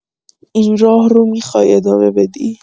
این راه رو می‌خوای ادامه بدی؟